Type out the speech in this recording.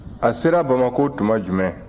a sera bamakɔ tuma jumɛn